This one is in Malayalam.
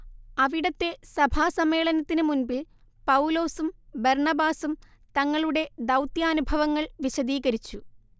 അവിടത്തെ സഭാസമ്മേളനത്തിന് മുൻപിൽ പൗലോസും ബർണ്ണബാസും തങ്ങളുടെ ദൗത്യാനുഭവങ്ങൾ വിശദീകരിച്ചു